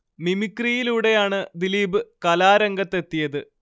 മിമിക്രിയിലൂടെയാണ് ദിലീപ് കലാരംഗത്ത് എത്തിയത്